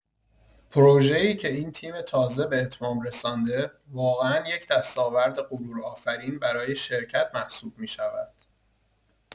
پروژه‌ای که این تیم تازه به اتمام رسانده، واقعا یک دستاورد غرورآفرین برای شرکت محسوب می‌شود.